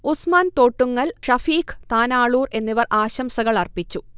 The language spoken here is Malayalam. ഉസ്മാൻ തോട്ടുങ്ങൽ, ഷഫീഖ് താനാളൂർ എന്നിവർ ആശംസകൾ അർപ്പിച്ചു